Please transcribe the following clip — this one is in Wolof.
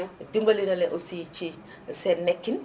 dimbali na leen aussi ci seen nekkin